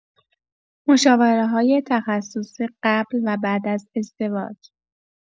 مشاوره‌های تخصصی قبل و بعد از ازدواج